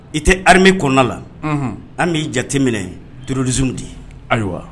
I tɛ harmi kɔnɔna la an b'i jateminɛ duurudiz di ye ayiwa